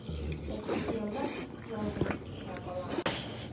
Ләкин хыяллар тик хыял булып кына кала.